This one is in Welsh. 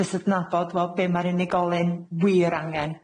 Jyst adnabod wel, be' ma'r unigolyn wir angen.